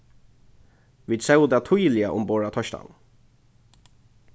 vit sóu tað týðiliga umborð á teistanum